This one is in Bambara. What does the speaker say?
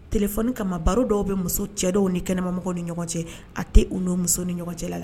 Tilef kama baro dɔw bɛ muso cɛ dɔw ni kɛnɛmamɔgɔ ni ɲɔgɔn cɛ a tɛ u don muso ni ɲɔgɔn cɛ la